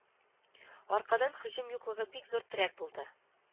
Аркадан һөҗүм юклыгы бик зур терәк булды